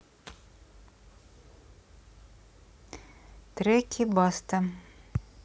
треки баста